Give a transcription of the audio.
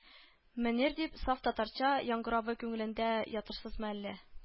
Мөнир дип, саф татарча яңгыравы күңелеңдә ятышсызмы әллә